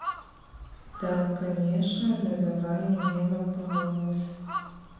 да конечно задавай мне вопрос